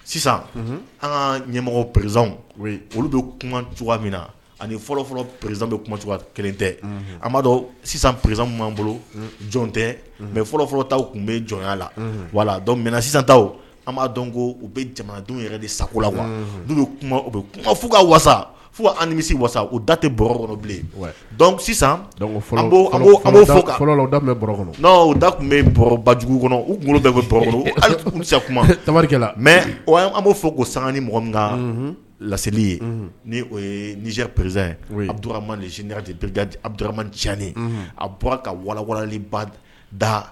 Sisan an ɲɛmɔgɔ pererez olu bɛ kuma cogoya min na ani fɔlɔfɔlɔ perez bɛ kuma cogoya kelen tɛ an b'a dɔn sisan pererez'an bolo jɔn tɛ mɛ fɔlɔ fɔlɔtaw tun bɛ jɔn la wala mɛ sisanta an b'a dɔn ko u bɛ jamanadenw yɛrɛ de sago la n'u f ka wasa fomi wa u da tɛ bɔkɔrɔ bilen sisan fɔ kɔnɔ da tun bɛ bɔbajugu kɔnɔ u kunkolo bɛɛ bɛ bɔ tarikɛ la mɛ o an b' fɔ ko san ni mɔgɔ minkan laseli ye ni yez pererezurama p abuduramacani a bɔra ka wawalanliba da